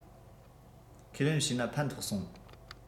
ཁས ལེན བྱས ན ཕན ཐོགས སོང